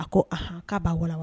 A ko a k'a ba wa wa